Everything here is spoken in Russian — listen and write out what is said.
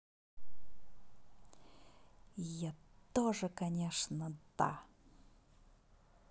я тоже конечно да